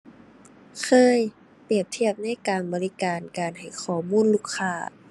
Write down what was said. เคย เปรียบเทียบในการบริการ การให้ข้อมูลลูกค้า